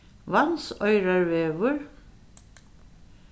vatnsoyrarvegur